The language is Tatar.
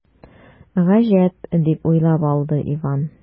“гаҗәп”, дип уйлап алды иван.